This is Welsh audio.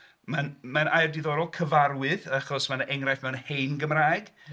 Mae'n air ddiddorol, 'cyfarwydd', achos mae 'na engrhaifft mewn hen Gymraeg... Reit.